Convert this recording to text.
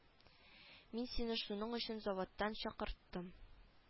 Мин сине шуның өчен заводтан чакырттым